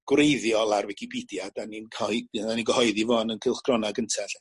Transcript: gwreiddiol ar wicipedia 'dan ni'n cahoe 'dan ni'ngyhoeddi fo yn cylchgrona gynta 'elly.